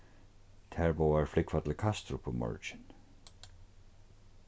tær báðar flúgva til kastrup í morgin